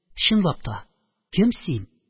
Чынлап та, кем син?